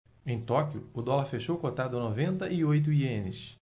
em tóquio o dólar fechou cotado a noventa e oito ienes